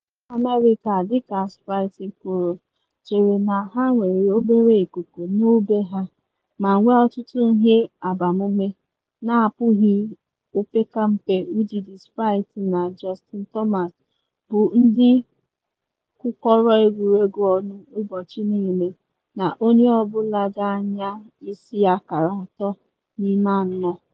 Ndị America, dịka Spieth kwuru, chere na ha nwere obere ikuku n’ubu ha ma nwee ọtụtụ ihe agbamume, na abụghị opekempe ụdịdị Spieth na Justin Thomas, bụ ndị gwukọrọ egwuregwu ọnụ ụbọchị niile, na onye ọ bụla ga-anya isi akara atọ n’ime anọ.